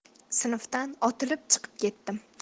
sinfdan otilib chiqib ketdim